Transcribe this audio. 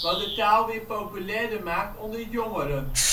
de taal weer populairder maakt onder jongeren